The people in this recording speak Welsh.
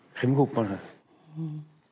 Chi'm yn gwbo 'ne... Hmm.